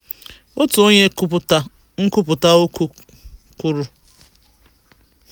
Otu onye nkwupụta kwuru: